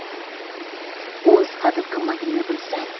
o'z qadr qimmatingni bilsang